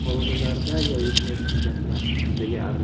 hovlilarda yoyilgan tezaklarning hidiga